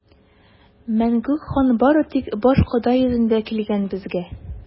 Мәңгүк хан бары тик башкода йөзендә килгән безгә!